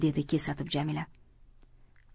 dedi kesatib jamila